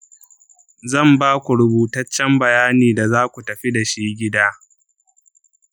zan ba ku rubutaccen bayani da za ku tafi da shi gida.